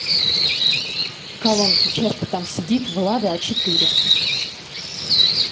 колонки часто там сидит влада а четыре